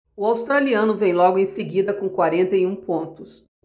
o australiano vem logo em seguida com quarenta e um pontos